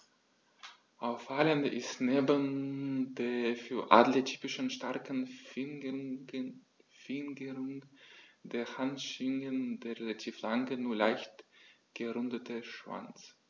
Auffallend ist neben der für Adler typischen starken Fingerung der Handschwingen der relativ lange, nur leicht gerundete Schwanz.